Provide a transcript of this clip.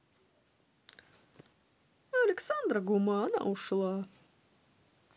александра гума она ушла